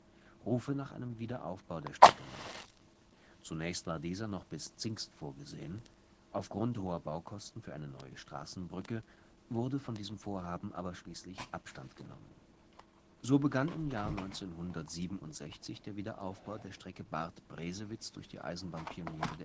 Rufe nach einem Wiederaufbau der Strecke laut. Später war die Nationale Volksarmee (NVA), die im Osten der Halbinsel Zingst einen Truppenübungsplatz einrichtete, am Wiederaufbau der Strecke interessiert. Zunächst war dieser noch bis Zingst vorgesehen, aufgrund hoher Baukosten für eine neue Straßenbrücke wurde von diesem Vorhaben aber schließlich Abstand genommen. So begann im Jahr 1967 der Wiederaufbau der Strecke Barth – Bresewitz durch Eisenbahnpioniere